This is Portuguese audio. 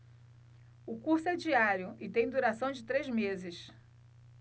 o curso é diário e tem duração de três meses